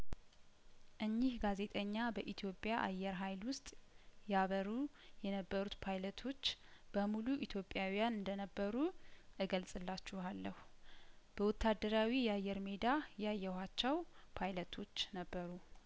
እኚህ ጋዜጠኛ በኢትዮጵያ አየር ሀይል ውስጥ ያበሩ የነበሩት ፓይለቶች በሙሉ ኢትዮጵያዊያን እንደነበሩ እገልጽላችኋለሁ በወታደራዊ የአየር ሜዳ ያየኋቸው ፓይለቶች ነበሩ